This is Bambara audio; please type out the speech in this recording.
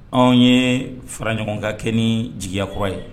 Anw ye fara ɲɔgɔn ka kɛ jigiyakɔrɔ ye